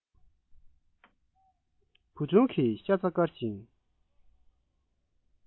འཚེར བག དང བཅས འབོལ སྟེགས ཀྱི